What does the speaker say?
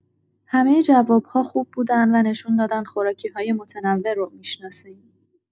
همه جواب‌ها خوب بودن و نشون دادن خوراکی‌های متنوع رو می‌شناسین.